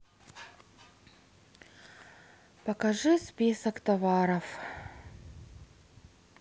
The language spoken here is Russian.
покажи список товаров